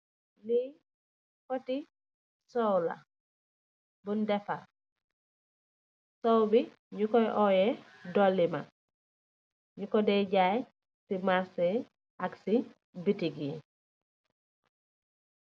Lii poti sowe la bun defarr, sowe bii nju koi oryeh dolima, nju kor dae jaii cii marche ak ci boutique yii.